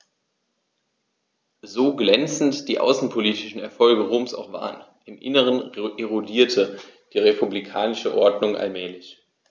So glänzend die außenpolitischen Erfolge Roms auch waren: Im Inneren erodierte die republikanische Ordnung allmählich.